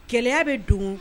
Kɛlɛ bɛ don